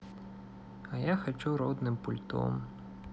а я хочу родным пультом